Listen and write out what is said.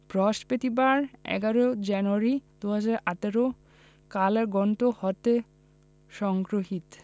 বৃহস্পতিবার ১১ জানুয়ারি ২০১৮ কালের কন্ঠ হতে সংগৃহীত